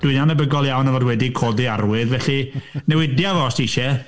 Dwi'n anhebygol iawn o fod wedi codi arwydd, felly newidia fo os ti isie.